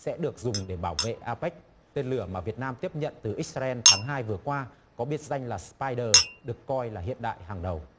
sẽ được dùng để bảo vệ a pếch tên lửa mà việt nam tiếp nhận từ ít sa ren tháng hai vừa qua có biệt danh là xờ pai đờ được coi là hiện đại hàng đầu